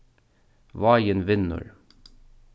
vágin vinnur